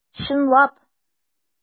Чынлап!